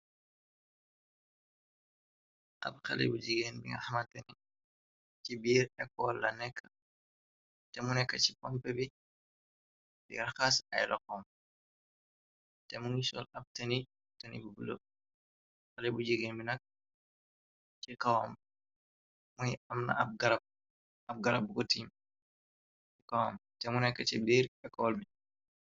ab xale bu jigéen bi nga xamalteni ci biir ekool ltému nekk, teh ci pomp bi di nga xaas ay lo kawm te mu ngi sool ab teni toni bi bl xale bu jigéen bi nag ci kawaam muy am na ab garab bu ko tiim kawam temu nekk ci biir ecol bi.